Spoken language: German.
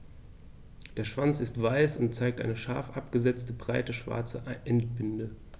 Der Schwanz ist weiß und zeigt eine scharf abgesetzte, breite schwarze Endbinde.